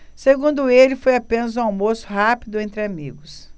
segundo ele foi apenas um almoço rápido entre amigos